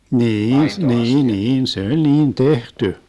niin niin niin se oli niin tehty